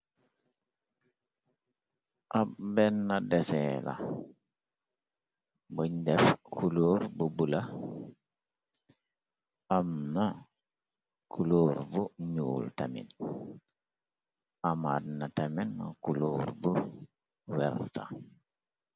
Ab benna desee la, buñ def kuloor bu bula, am na kulóor bu nuul tamin, amaat na tamin kuloor bu werta.